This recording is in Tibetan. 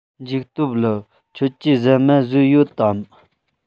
འཇིགས སྟོབས ལགས ཁྱོད ཀྱིས ཟ མ ཟོས ཡོད དམ